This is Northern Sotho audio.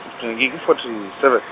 ke forty seven.